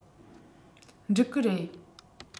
འགྲིག གི རེད